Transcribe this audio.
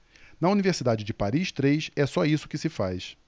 na universidade de paris três é só isso que se faz